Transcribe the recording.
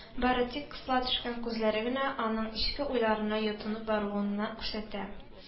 Бары тик кысыла төшкән күзләре генә аның эчке уйларына йотылып баруын күрсәтә